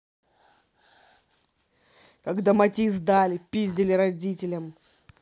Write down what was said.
когда матисс дали пиздели родителям